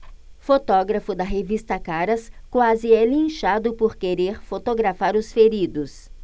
fotógrafo da revista caras quase é linchado por querer fotografar os feridos